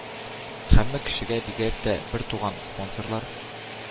Һәммә кешегә, бигрәк тә бертуган спонсорлар